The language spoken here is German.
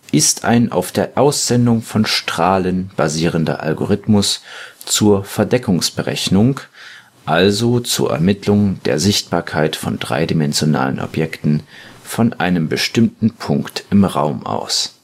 ist ein auf der Aussendung von Strahlen basierender Algorithmus zur Verdeckungsberechnung, also zur Ermittlung der Sichtbarkeit von dreidimensionalen Objekten von einem bestimmten Punkt im Raum aus